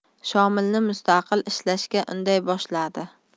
shomilni mustaqil ishlashga unday boshladi